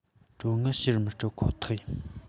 གྲོན དངུལ ཕྱིར མི སྤྲོད ཁོ ཐག ཡིན